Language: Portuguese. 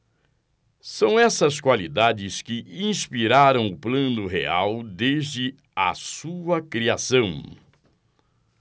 são essas qualidades que inspiraram o plano real desde a sua criação